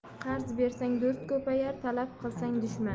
qarz bersang do'st ko'payar talab qilsang dushman